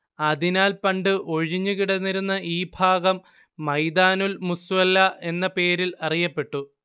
അതിനാൽ പണ്ടു ഒഴിഞ്ഞുകിടന്നിരുന്ന ഈ ഭാഗം മൈദാനുൽ മുസ്വല്ല എന്ന പേരിൽ അറിയപ്പെട്ടു